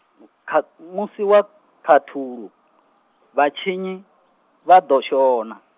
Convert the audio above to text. kha- musi wa khaṱhulo, vhatshinyi, vha ḓo shona.